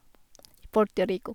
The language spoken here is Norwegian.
Puerto Rico.